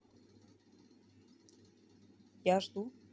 я жду